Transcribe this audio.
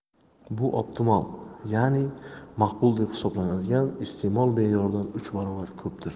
bu optimal ya'ni maqbul deb hisoblanadigan iste'mol me'yoridan uch barobar ko'pdir